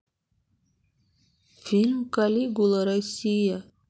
фильм калигула россия